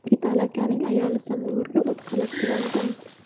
yigitali akaning ayoli samovarga o't qalash bilan band